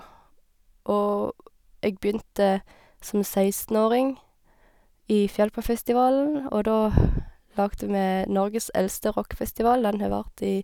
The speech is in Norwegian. Og jeg begynte som sekstenåring i Fjellparkfestivalen, og da laget vi Norges eldste rockfestival, den har vart i...